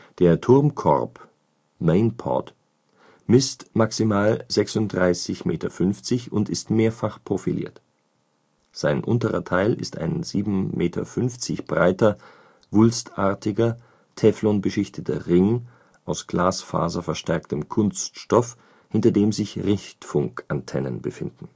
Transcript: Der Turmkorb (Main Pod) misst maximal 36,5 Meter und ist mehrfach profiliert. Sein unterer Teil ist ein 7,50 Meter breiter, wulstartiger, teflonbeschichteter Ring aus glasfaserverstärktem Kunststoff, hinter dem sich Richtfunkantennen befinden